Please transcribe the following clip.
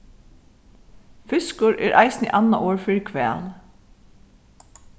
fiskur er eisini annað orð fyri hval